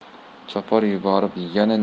chopar yuborib yana